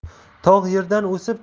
tog' yerdan o'sib